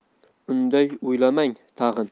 unday o'ylamang tag'in